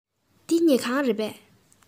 འདི ཉལ ཁང རེད པས